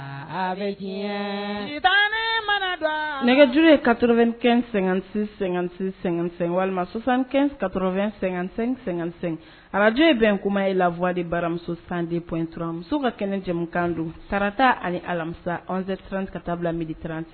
Nɛgɛjuru ye2ɛn- sɛgɛn--sɛ walimasanka2----sɛ arajo bɛn kuma ye lawa baramuso san depur musow ka kɛnɛ jamana kan don sarata ani alamisa 2ran ka taabila militirante